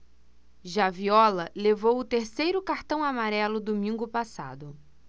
já viola levou o terceiro cartão amarelo domingo passado